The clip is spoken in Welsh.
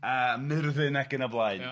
a Murddin ac yn y blaen... Ia.